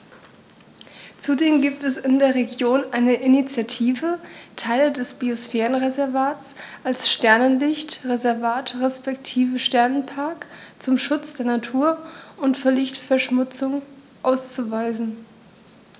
Zudem gibt es in der Region eine Initiative, Teile des Biosphärenreservats als Sternenlicht-Reservat respektive Sternenpark zum Schutz der Nacht und vor Lichtverschmutzung auszuweisen.